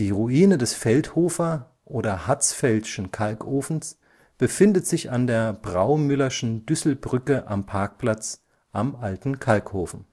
Ruine des Feldhofer oder Hatzfeld’ schen Kalkofens befindet sich an der Braumüllerschen Düsselbrücke am Parkplatz Am alten Kalkofen